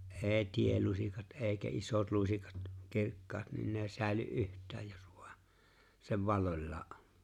ei teelusikat eikä isot lusikat kirkkaat niin ne ei säily yhtään jos vain se valloillaan on